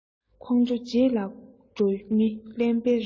ཁོང ཁྲོའི རྗེས ལ འགྲོ མི གླེན པ རེད